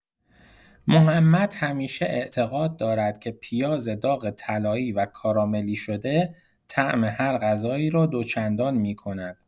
محمد همیشه اعتقاد دارد که پیاز داغ طلایی و کاراملی‌شده، طعم هر غذایی را دوچندان می‌کند.